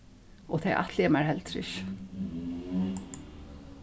og tað ætli eg mær heldur ikki